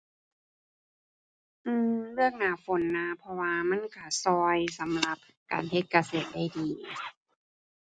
อือ เลือกหน้าฝนนะ เพราะว่ามันก็ก็สำหรับการเฮ็ดเกษตรได้ดี